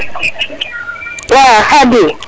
waaw Khadim